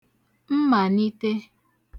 mmànite